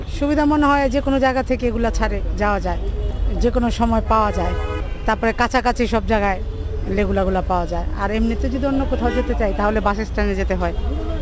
সুবিধা মনে হয় যে কোন জায়গায় থেকে এইগুলা ছাড়ে যাওয়া যায় যে কোন সময় পাওয়া যায় তারপরে কাছাকাছি সব জায়গায় লেগুনা গুলা পাওয়া যায় আর এমনিতে যদি অন্য কোথাও যেতে চাই তাহলে বাসস্ট্যান্ডে যেতে হয়